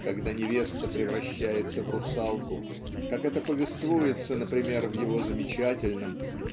когда невеста превращается в русалку как это повествуется например в его замечательном